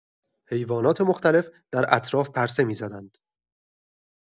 حیوانات مختلف در اطراف پرسه می‌زدند.